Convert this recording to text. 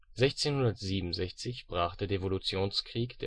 1667 brach der Devolutionskrieg